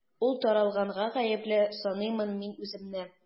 Ул таралганга гаепле саныймын мин үземне.